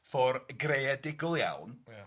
Ffordd greadigol iawn